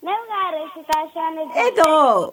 Ne ka sa e don